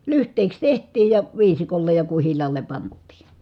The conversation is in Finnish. lyhteiksi tehtiin ja viisikolle ja kuhilaalle pantiin